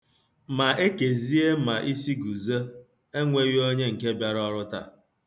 Ma Ekezie ma Isiguzo, enweghị onye nke bịara ọrụ taa.